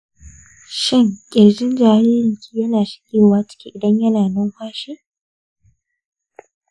shin kirjin jaririnki yana shigewa ciki idan yana numfashi?